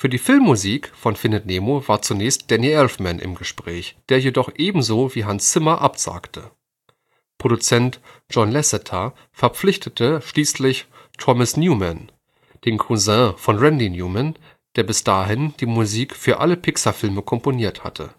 die Filmmusik von Findet Nemo war zunächst Danny Elfman im Gespräch, der jedoch ebenso wie Hans Zimmer absagte. Produzent John Lasseter verpflichtete schließlich Thomas Newman, den Cousin von Randy Newman, der bis dahin die Musik für alle Pixarfilme komponiert hatte